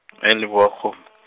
eLibowakgom-.